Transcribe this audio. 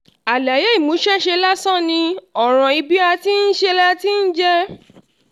Àlàyé ìmúṣẹ́ṣe lásán ni, ọ̀ràn ibi-a-ti-ń-ṣe-la-ti-ń-jẹ.